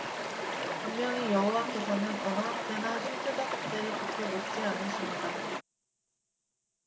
분명히 여호와께서는 언어 학대나 신체적 학대를 좋게 보지 않으십니다